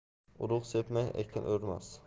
urug' sepmay ekin o'rmas